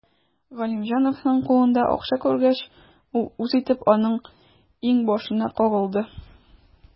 Галимҗановның кулында акча күргәч, ул үз итеп аның иңбашына кагылды.